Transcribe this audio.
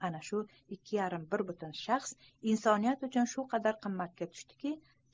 ana shu ikki yarim bir butun shaxs insoniyat uchun shu qadar qimmatga tushdiki